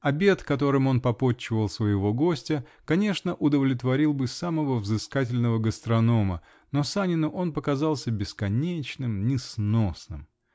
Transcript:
Обед, которым он попотчевал своего гостя, конечно, удовлетворил бы самого взыскательного гастронома, но Санину он показался бесконечным, несносным!